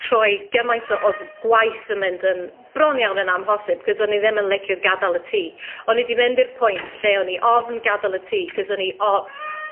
troi gymaint o o gwaith yn mynd yn bron iawn yn amhosib. 'C'os o'n i ddim yn licio gadal y tŷ. O'n i 'di mynd i'r point lle o'n i ofn gadal y tŷ 'c'os o'n i o-...